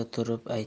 erta turib aytma